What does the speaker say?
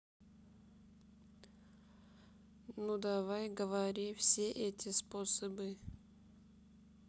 ну давай говори эти все способы